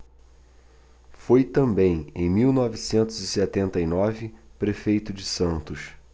foi também em mil novecentos e setenta e nove prefeito de santos